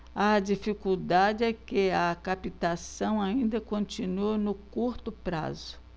a dificuldade é que a captação ainda continua no curto prazo